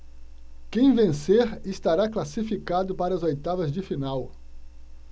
quem vencer estará classificado para as oitavas de final